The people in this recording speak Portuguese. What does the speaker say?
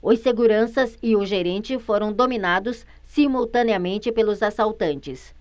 os seguranças e o gerente foram dominados simultaneamente pelos assaltantes